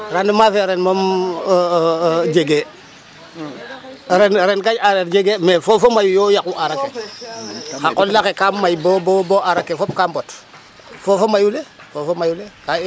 Rendement fe ren mom jegee jegee ren kay aareer jegee mais foofi mayu yo yaqu aar ake xa qol axe ka may bo aar ake fop nga mbot foof fo mayu leé